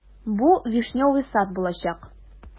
Бу "Вишневый сад" булачак.